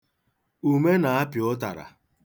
Ume na-apị ụtara.